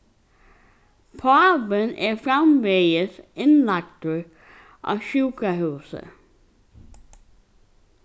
pávin er framvegis innlagdur á sjúkrahúsi